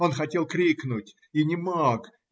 Он хотел крикнуть и не мог.